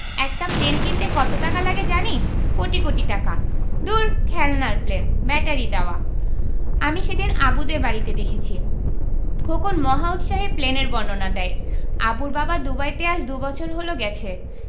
একটা প্লেন কিনতে কত টাকা লাগে জানিস কোটি কোটি টাকা দূর খেলনার প্লেন ব্যাটারি দেয়া আমি সেদিন আবুদের বাড়িতে দেখেছি খোকন মহা উৎসাহে প্লেনের বর্ণনা দেয় আবুর বাবা দুবাইতে আজ দুবছর হলো গেছে